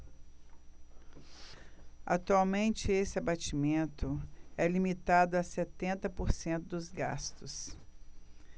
atualmente esse abatimento é limitado a setenta por cento dos gastos